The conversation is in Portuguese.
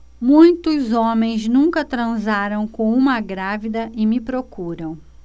muitos homens nunca transaram com uma grávida e me procuram